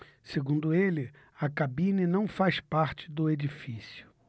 segundo ele a cabine não faz parte do edifício